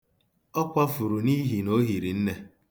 Ọ kwafuru n'ihi na o hiri nne.